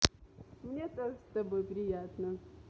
мне тоже с тобой приятно